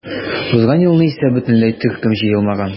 Узган елны исә бөтенләй төркем җыелмаган.